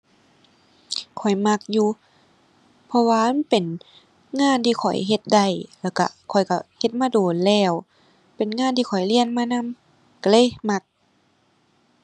ข้อยมักอยู่ เพราะว่ามันเป็นงานที่ข้อยเฮ็ดได้ แล้วก็ ข้อยก็เฮ็ดมาโดนแล้ว เป็นงานที่ข้อยเรียนมานำ ก็เลยมัก